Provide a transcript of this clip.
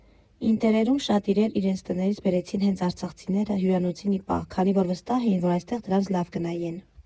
Ինտերերում շատ իրեր իրենց տներից բերեցին հենց արցախցիները, հյուրանոցին ի պահ, քանի որ վստահ էին, որ այստեղ դրանց լավ կնայեն։